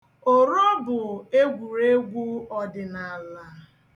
Oro bụ egwuregwu ọdịnaala.